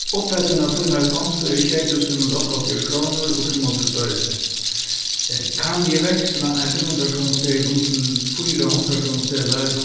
upphæddin á tínari konto er sjey túsund fimm hundrað og áttaoghálvfjerðs krónur og fimmoghálvtrýss oyru kann eg veksla ein fimmhundraðkrónuseðil um til fýra hundraðkrónuseðlar og